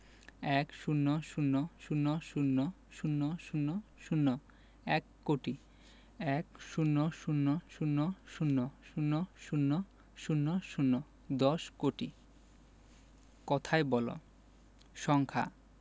১০০০০০০০ এক কোটি ১০০০০০০০০ দশ কোটি কথায় বলঃ সংখ্যাঃ